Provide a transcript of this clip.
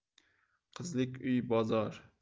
qizlik uy bozor